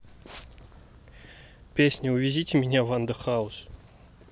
песня увезите меня ванда хаус